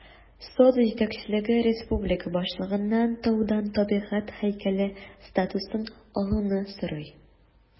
Сода җитәкчелеге республика башлыгыннан таудан табигать һәйкәле статусын алуны сорый.